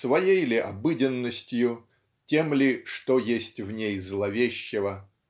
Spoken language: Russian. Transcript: своей ли обыденностью, тем ли, что есть в ней зловещего.